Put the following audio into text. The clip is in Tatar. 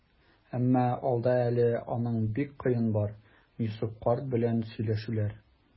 Әмма алда әле аның бик кыены бар - Йосыф карт белән сөйләшүләр.